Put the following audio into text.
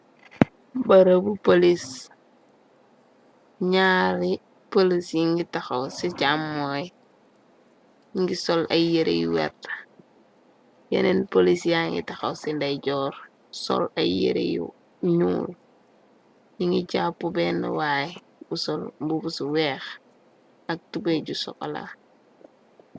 Barëbu polis ñaari polis yi ngi taxaw ci cha mooy ngi sol ay yere yu werta yeneen polisiya ngi taxaw ci ndeyjoor sol ay yëre yu ñuul yi ngi jàppu bene waay bu sol mubusu weex ak tubaye ju sokola.